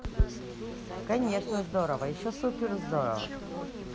конечно здорово еще суперздорово